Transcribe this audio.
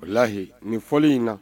O lahi nin fɔ in na